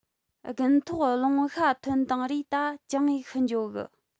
དགུན ཐོག རླུང ཤ ཐོན བཏང རས ད གྱང ངས ཤི འགྱོ གི